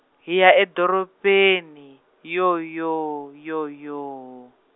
hi ya edorobeni yoo yoo yoo yoo.